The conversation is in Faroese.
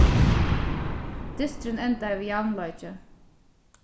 dysturin endaði við javnleiki